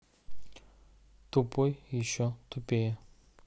тупой еще тупее